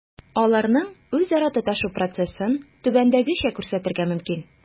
Аларның үзара тоташу процессын түбәндәгечә күрсәтергә мөмкин: